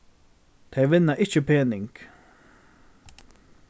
tey vinna ikki pening